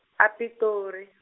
a- Pitori.